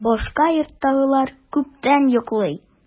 Башка йорттагылар күптән йоклый.